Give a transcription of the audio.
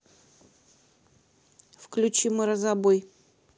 включи морозобой